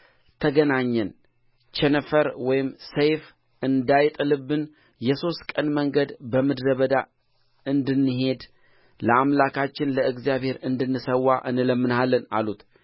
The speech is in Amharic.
ተገናኘን ቸነፈር ወይም ሰይፍ እንዳይጥልብን የሦስት ቀን መንገድ በምድረ በዳ እንድንሄድ ለአምላካችን ለእግዚአብሔር እንድንሠዋ እንለምንሃለን አሉት